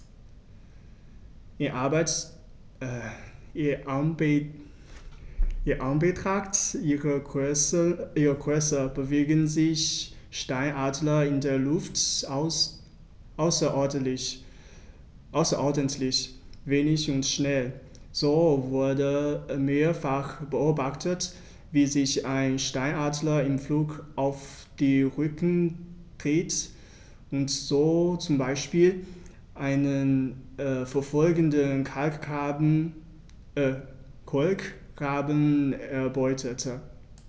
In Anbetracht ihrer Größe bewegen sich Steinadler in der Luft außerordentlich wendig und schnell, so wurde mehrfach beobachtet, wie sich ein Steinadler im Flug auf den Rücken drehte und so zum Beispiel einen verfolgenden Kolkraben erbeutete.